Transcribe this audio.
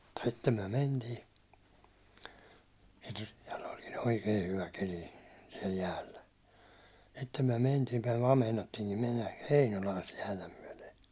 sitten me mentiin ja sitten sillä olikin oikein hyvä keli siellä jäällä sitten me mentiin me vain meinattiinkin mennä Heinolaan sitä jäätä myöten